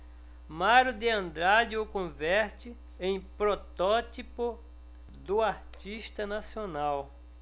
mário de andrade o converte em protótipo do artista nacional